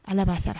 Ala b'a sara